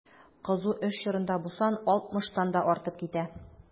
Кызу эш чорында бу сан 60 тан да артып китә.